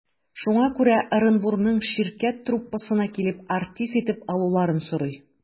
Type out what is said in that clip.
Шуңа күрә Ырынбурның «Ширкәт» труппасына килеп, артист итеп алуларын сорый.